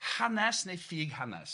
hanes neu ffug hanes?